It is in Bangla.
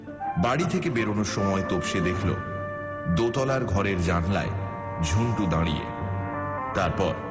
বাড়ি থেকে বেরোনোর সময় তোপসে দেখল ঝুন্টু দাঁড়িয়ে তারপর